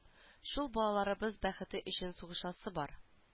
Шул балаларыбыз бәхете өчен сугышасы бар